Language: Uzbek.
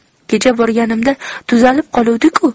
kecha borganimda tuzalib qoluvdi ku